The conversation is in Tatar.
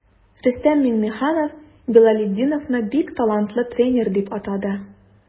Рөстәм Миңнеханов Билалетдиновны бик талантлы тренер дип атады.